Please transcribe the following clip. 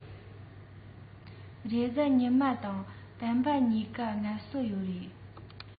རེས གཟའ ཉི མར དང སྤེན པ གཉིས ཀར ངལ གསོ ཡོད རེད